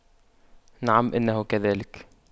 نعم إنه كذلك